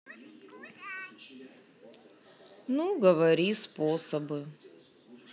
ну говори способы